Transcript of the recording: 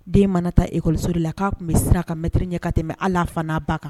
Den mana ta ekɔso de la k'a tun bɛ siran a ka mtiriri ɲɛ ka tɛmɛ ala fana ba kan